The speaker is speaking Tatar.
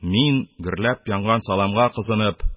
Мин, гөрләп янган саламга кызынып,